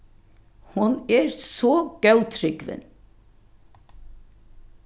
hon er so góðtrúgvin